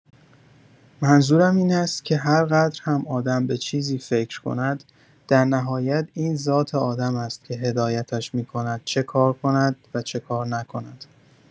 منظورم این است که هرقدر هم آدم به چیزی فکر کند، در نهایت این ذات آدم است که هدایتش می‌کند چه‌کار کند و چه‌کار نکند.